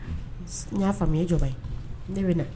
N y'a faamuya jɔba ye ne bɛ